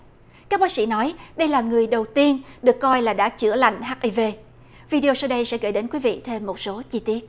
các bác sĩ nói đây là người đầu tiên được coi là đã chữa lành hắt i vê vi đi ô sau đây sẽ gửi đến quý vị thêm một số chi tiết